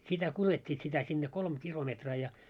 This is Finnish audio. sitä kuljettivat sitä sinne kolme kilometriä ja